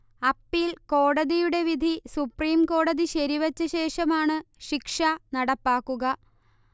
appeal കോടതിയുടെ വിധി സുപ്രീംകോടതി ശരിവെച്ച ശേഷമാണ് ശിക്ഷ നടപ്പാക്കുക